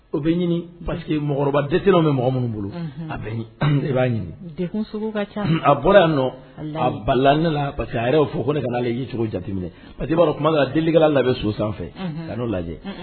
O bɛ ɲini pa mɔgɔkɔrɔbaeli bɛ mɔgɔ minnu bolo a bɛ b'a ɲini a bɔra bala parce que yɛrɛ' fo ko ne y'icogo jateminɛ pa' kuma delikala labɛn so sanfɛ ka'o lajɛ